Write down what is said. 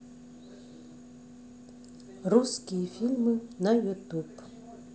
русские фильмы на ютуб